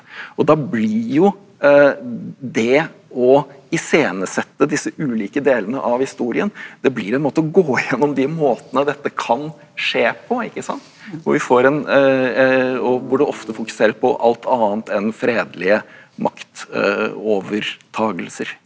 og da blir jo det å iscenesette disse ulike delene av historien det blir en måte å gå gjennom de måtene dette kan skje på ikke sant og vi får en og hvor du ofte fokuserer på alt annet enn fredelige maktovertagelser.